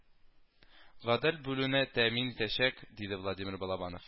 Гадел бүлүне тәэмин итәчәк, диде владимир балабанов